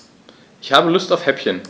Ich habe Lust auf Häppchen.